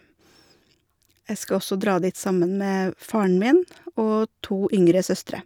Jeg skal også dra dit sammen med faren min og to yngre søstre.